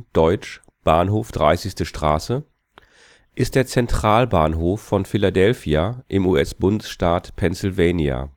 deutsch Bahnhof 30. Straße) ist der Zentralbahnhof von Philadelphia im US-Bundesstaat Pennsylvania